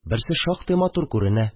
Берсе шактый матур күренә